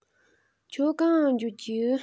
ཁྱོད གང ང འགྱོ རྒྱུ